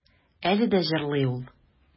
Әле дә җырлый ул.